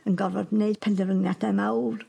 yn gorfod neud penderfyniadau mawr